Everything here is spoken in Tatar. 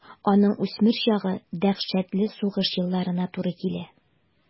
Аның үсмер чагы дәһшәтле сугыш елларына туры килә.